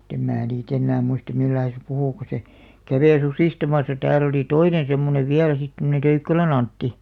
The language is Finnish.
mutta en minä niitä enää muista millä lailla se puhui kun se kävi susistamassa täällä oli toinen semmoinen vielä sitten tuommoinen Töykkälän Antti